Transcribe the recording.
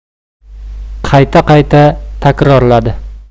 qayta qayta takrorladi